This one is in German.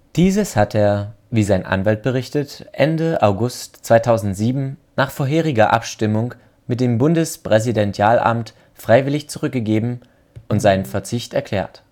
Dieses hat er, wie sein Anwalt berichtet, Ende August 2007 nach vorheriger Abstimmung mit dem Bundespräsidialamt freiwillig zurückgegeben und seinen Verzicht erklärt